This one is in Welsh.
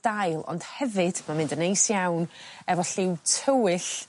dail ond hefyd ma'n mynd yn neis iawn efo lliw tywyll